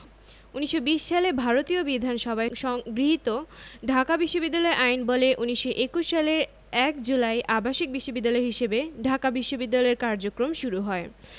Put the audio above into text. ১৯২০ সালে ভারতীয় বিধানসভায় গৃহীত ঢাকা বিশ্ববিদ্যালয় আইনবলে ১৯২১ সালের ১ জুলাই আবাসিক বিশ্ববিদ্যালয় হিসেবে ঢাকা বিশ্ববিদ্যালয়ের কার্যক্রম শুরু হয়